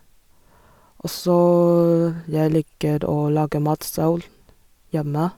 Og så jeg liker å lage mat selv, hjemme.